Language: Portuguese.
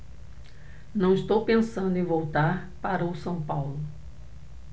não estou pensando em voltar para o são paulo